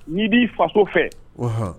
' b'i fa fɛ